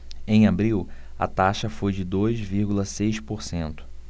em abril a taxa foi de dois vírgula seis por cento